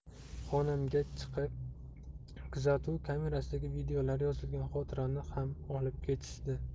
xonamga chiqib kuzatuv kamerasidagi videolar yozilgan xotirani ham olib ketishdi